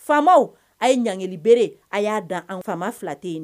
Faamaw a ye ɲankili bere d'an ku, faama fila tɛ yen.